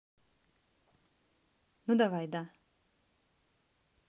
ну давай да